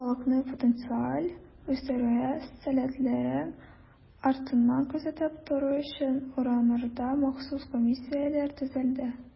Халыкны потенциаль үстерүгә сәләтлеләр артыннан күзәтеп тору өчен, урыннарда махсус комиссияләр төзелде.